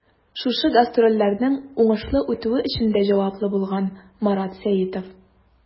Шушы гастрольләрнең уңышлы үтүе өчен дә җаваплы булган Марат Сәитов.